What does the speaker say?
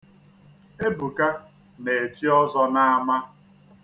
Ebuka na-echi ọzọ n'ama.